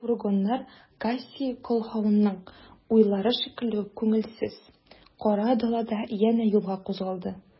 Фургоннар Кассий Колһаунның уйлары шикелле үк күңелсез, кара далада янә юлга кузгалды.